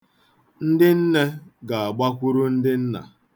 Ndị nne ga-agbakwuru ndị nna.